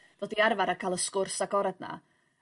..dod i arfar a ca'l y sgwrs agorad 'na